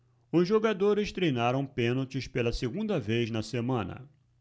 os jogadores treinaram pênaltis pela segunda vez na semana